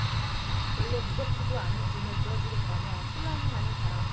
별로 무겁지도 않은 짐을 들어주겠다며 실랑이 하는 사람